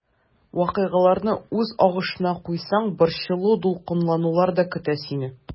Вакыйгаларны үз агышына куйсаң, борчылу-дулкынланулар да көтә сине.